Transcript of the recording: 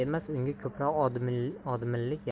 emas unga ko'proq odmilik yarashadi